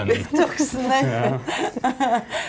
vi tok sneipen .